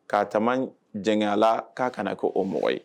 K'a taama jɛ la k'a kana ko o mɔgɔ ye